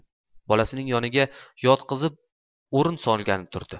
bolasini yoniga yotqizib o'rin solgani turdi